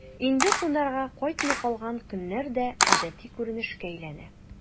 Инде кунарга кайтмый калган көннәр дә гадәти күренешкә әйләнә...